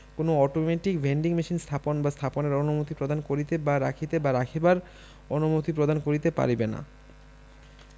কোন automatic vending machine স্থাপন বা স্থাপনের অনুমতি প্রদান করিতে বা রাখিতে বা রাখিবার অনুমতি প্রদান করিতে পারিবে না